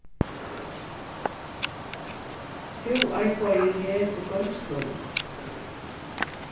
tú arbeiðir her í goymsluni